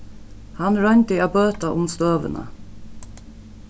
hann royndi at bøta um støðuna